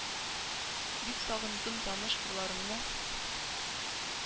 Бик сагындым таныш кырларымны,